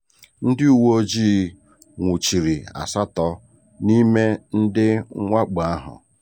Ndị uwe ojii nwụchiri asatọ n'ime ndị mwakpo ahụ.